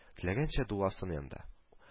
Теләгәнчә дуласын иде анда